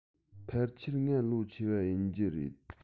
ཕལ ཆེར ང ལོ ཆེ བ ཡིན རྒྱུ རེད